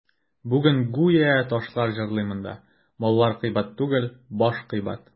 Бүген гүя ташлар җырлый монда: «Маллар кыйбат түгел, баш кыйбат».